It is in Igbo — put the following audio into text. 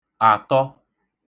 àtọ